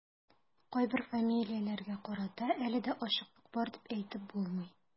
Кайбер фамилияләргә карата әле дә ачыклык бар дип әйтеп булмый.